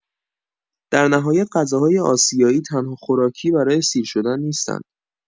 در نهایت، غذاهای آسیایی تنها خوراکی برای سیر شدن نیستند؛